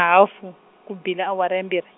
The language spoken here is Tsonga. hafu, ku bile awara ya mbirhi.